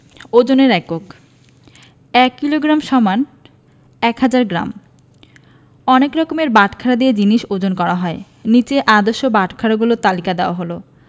ওজনের এককঃ ১ kilogram = ১০০০ gram অনেক রকমের বাটখারা দিয়ে জিনিস ওজন করা হয় নিচে আদর্শ বাটখারাগুলোর তালিকা দেয়া হলঃ